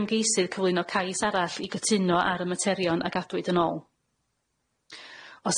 ymgeisydd cyflwyno cais arall i gytuno ar y materion a gadwyd yn ôl.